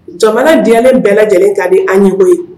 Jamana d ne bɛɛ lajɛlen ka di an ɲɛ bɔ ye